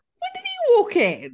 When did he walk in?